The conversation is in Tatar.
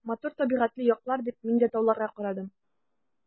Матур табигатьле яклар, — дип мин дә тауларга карадым.